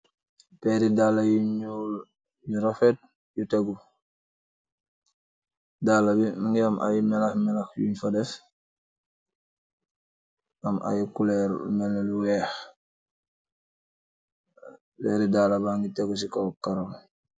Peeri daala yi nuul yu rafet yu tegu daala bi mogi am ay melax melax yun fa def am ay culeer melni lu weex peeri daala ba ngi tegu ci kaw karo.